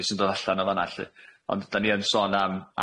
sy'n dod allan yn fan 'na 'lly ond 'dan ni yn sôn am